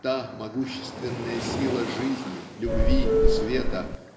та могущественная сила жизни любви и света